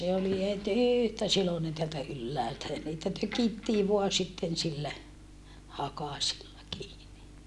se oli heti yhtä siloinen täältä ylhäältä ja niitä tökittiin vain sitten sillä hakasilla kiinni